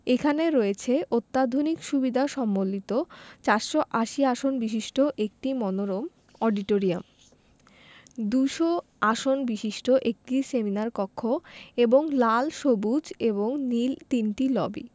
এখানে রয়েছে অত্যাধুনিক সুবিধা সম্বলিত ৪৮০ আসন বিশিষ্ট একটি মনোরম অডিটোরিয়াম ২০০ আসন বিশিষ্ট একটি সেমিনার কক্ষ এবং লাল সবুজ এবং নীল তিনটি লবি